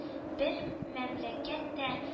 Бер мәмләкәт тә